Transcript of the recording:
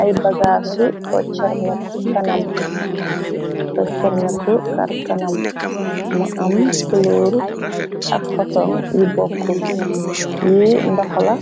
Ay bagaa su toccermeku kar kanam mu am kulooru ak fason yu bokkul yi ndox la